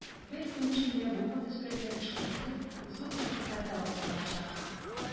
Бер көн эчендә бу фотосурәтләр эшкәртелеп, зур плакатларда бастырылачак.